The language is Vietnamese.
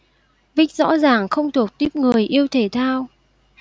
vic rõ ràng không thuộc tuýp người yêu thể thao